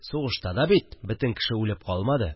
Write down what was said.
Сугышта да бит бөтен кеше үлеп калмады